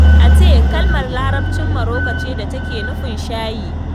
Atay kalmar Larabcin Morocco ce da take nufin shayi.